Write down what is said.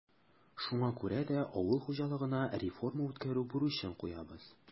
Шуңа күрә дә авыл хуҗалыгына реформа үткәрү бурычын куябыз.